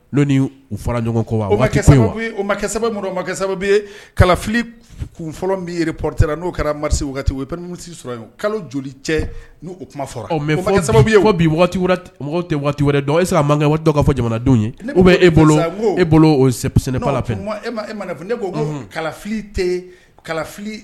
Fili kun fɔlɔ bɛ pte n'o kɛra marisi sɔrɔ kalo joli cɛ n u kuma fɔra mɛ sababu tɛ wɛrɛ e se man kan ka dɔgɔ ka fɔ jamanadenw ye u bɛ e bolo e bolo sɛnɛ fɛ e fɛ ne ko kalafi